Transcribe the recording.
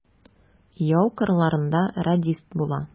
Яу кырларында радист була.